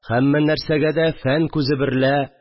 Һәммә нәрсәгә дә фән күзе берлә